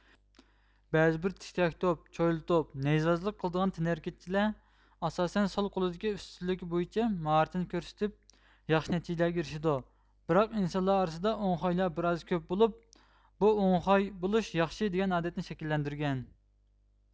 بەزىبىر تىك تاك توپ چويلا توپ نەيزىۋازلىق قىلىدىغان تەنھەرىكەتچىلەر ئاساسەن سول قولدىكى ئۈستۈنلۈكى بويىچە ماھارىتىنى كۆرسىتىپ ياخشى نەتىجىلەرگە ئېرىشىدۇ بىراق ئىنسانلار ئارىسىدا ئوڭخايلار بىر ئاز كۆپ بولۇپ بۇ ئوڭخاي بولۇش ياخشى دېگەن ئادەتنى شەكىللەندۈرگەن